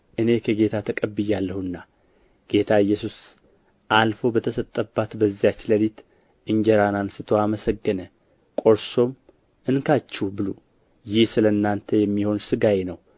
እኔ ከጌታ ተቀብያለሁና ጌታ ኢየሱስ አልፎ በተሰጠበት በዚያች ሌሊት እንጀራን አንሥቶ አመሰገነ ቆርሶም እንካችሁ ብሉ ይህ ስለ እናንተ የሚሆን ሥጋዬ ነው